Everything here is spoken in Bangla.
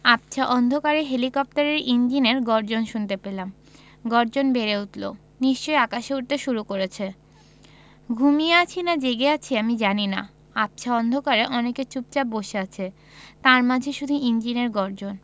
আবছা অন্ধকারে হেলিকপ্টারের ইঞ্জিনের গর্জন শুনতে পেলাম গর্জন বেড়ে উঠলো নিশ্চয়ই আকাশে উড়তে শুরু করছে ঘুমিয়ে আছি না জেগে আছি আমি জানি না আবছা অন্ধকারে অনেকে চুপচাপ বসে আছে তার মাঝে শুধু ইঞ্জিনের গর্জন